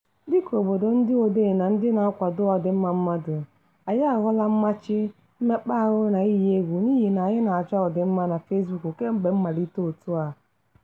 Dịka obodo ndị odee na ndị na-akwado ọdịmma mmadụ, anyị ahụla mmachi, mmekpaahụ na iyi egwu n'ihi na anyị na-achọ ọdịmma na Facebook kemgbe mmalite òtù a.